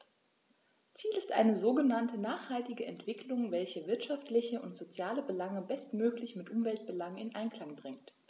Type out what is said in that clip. Ziel ist eine sogenannte nachhaltige Entwicklung, welche wirtschaftliche und soziale Belange bestmöglich mit Umweltbelangen in Einklang bringt.